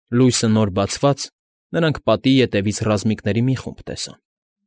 Լույսը նոր բացված՝ նրանք պատի ետևից ռազմիկների մի խումբ տեսան։